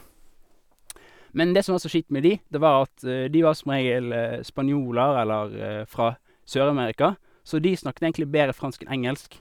Men det som var så kjipt med de, det var at de var som regel spanjoler eller fra Sør-Amerika, så de snakket egentlig bedre fransk enn engelsk.